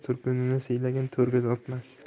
to'rkunini siylagan to'rga o'tmas